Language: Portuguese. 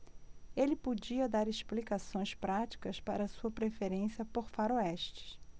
ele podia dar explicações práticas para sua preferência por faroestes